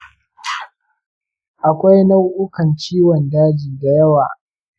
akwai nau'ukan ciwon daji dayawa.